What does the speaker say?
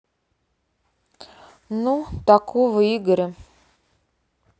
ну такого игоря